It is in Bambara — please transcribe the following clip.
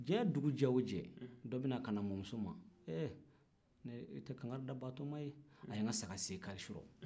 diɲɛ dugujɛ o dugujɛ dɔ bɛ na mamuso ma eee i tɛ kankarida batoma ye a ye n ka saga sin kari surɔ